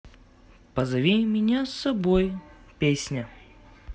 позови меня с собой песня